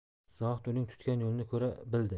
zohid uning tutgan yo'lini ko'ra bildi